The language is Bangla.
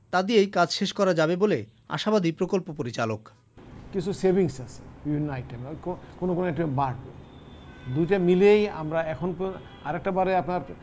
তা দিয়েই কাজ শেষ করা যাবে বলে আশাবাদী প্রকল্প পরিচালক কিছু সেভিংস আছে বিভিন্ন আইটেমে কোন কোন আইটেমে বাড়বে দুটো মিলিয়েই আমরা এখন আরেকটা বাড়ে আপনার